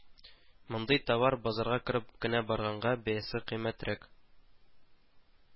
Мондый товар базарга кереп кенә барганга, бәясе кыйммәтрәк